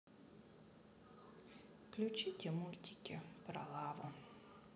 включите мультики про лаву